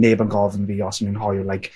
neb yn gofyn fi os o'n i'n hoyw like